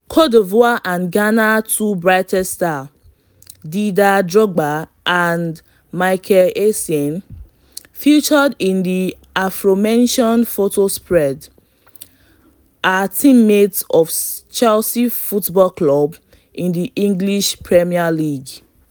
Côte d'Ivoire and Ghana's two brightest stars, Dider Drogba and Michael Essien (featured in the aforementioned photo spread) are teamates for Chelsea Football Club in the English Premier League.